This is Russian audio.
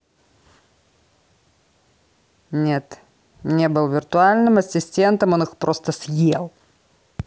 нет не был виртуальным ассистентом он их просто съел